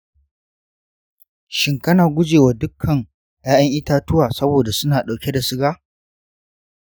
shin kana guje wa dukkan ’ya’yan itatuwa saboda suna dauke da suga?